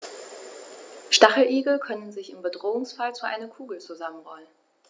Stacheligel können sich im Bedrohungsfall zu einer Kugel zusammenrollen.